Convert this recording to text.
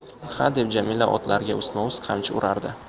xa deb jamila otlarga ustma ust qamchi urardi